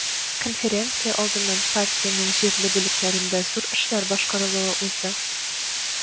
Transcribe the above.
Конференция алдыннан партиянең җирле бүлекләрендә зур эшләр башкарылуын узды.